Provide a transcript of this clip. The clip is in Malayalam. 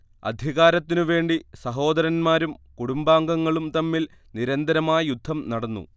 അധികാരത്തിനുവേണ്ടി സഹോദരന്മാരും കുടുംബാംഗങ്ങളും തമ്മിൽ നിരന്തരമായ യുദ്ധം നടന്നു